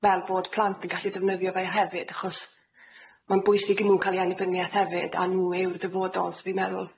Fel bod plant yn gallu defnyddio fe hefyd, achos ma'n bwysig i nw ca'l eu annibyniaeth hefyd, a nw yw'r dyfodol so fi'n meddwl